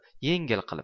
yengil qilib